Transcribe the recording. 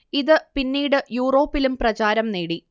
ഇതു പിന്നീടു യൂറോപ്പിലും പ്രചാരം നേടി